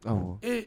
Ɔnhɔn ee